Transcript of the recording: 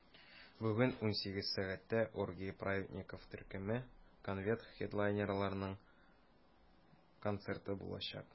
Бүген 18 сәгатьтә "Оргии праведников" төркеме - конвент хедлайнерларының концерты булачак.